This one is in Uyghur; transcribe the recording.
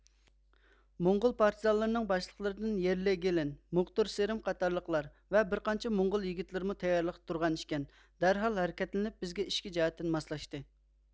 موڭغۇل پارتىزانلىرىنىڭ باشلىقلىرىدىن يىرلېگىلېن موقدۇر سىرىم قاتالىقلار ۋە بىرقانچە موڭغۇل يىگىتلىرىمۇ تەييارلىقتا تۇرغان ئىكەن دەرھال ھەرىكەتلىنىپ بىزگە ئىچكى جەھەتتىن ماسلاشتى